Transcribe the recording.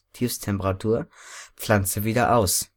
Tiefsttemperatur) Pflanze wieder aus